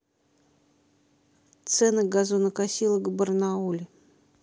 цены газонокосилок в барнауле